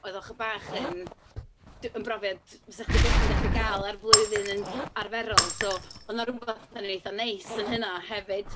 Oedd o'n chydig bach yn d- yn brofiad, 'sa chdi byth yn gallu gael ar flwyddyn yn... arferol. So oedd 'na rywbeth yn eitha neis yn hynna hefyd.